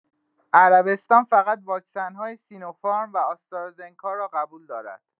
عربستان فقط واکسن‌های سینوفارم و آسترازنکا را قبول دارد.